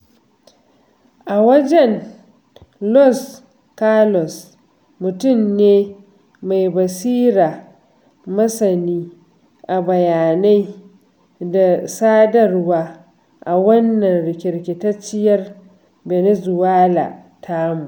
A wajena, Luis Carlos mutum ne mai basira, masani a bayanai da sadarwa a wannan rikirkitacciyar ɓenezuelan tamu.